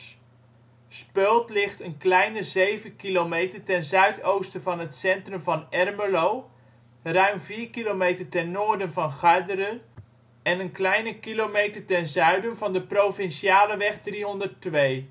Speuld ligt een kleine 7 km ten zuidoosten van het centrum van Ermelo, ruim 4 km ten noorden van Garderen en een kleine kilometer ten zuiden van de provinciale weg 302